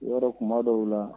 I b'a don tuma dɔw la